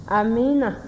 amiina